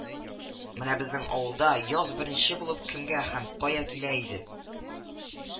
Менә безнең авылда яз беренче булып кемгә һәм кая килә иде